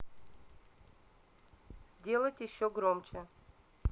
сделать еще громче